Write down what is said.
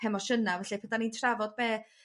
hemosiyna felly p'yd 'dan ni'n trafod be'